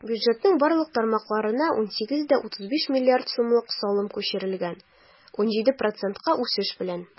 Бюджетның барлык тармакларына 18,35 млрд сумлык салым күчерелгән - 17 процентка үсеш белән.